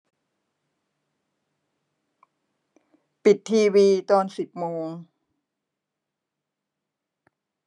ปิดทีวีตอนสิบโมง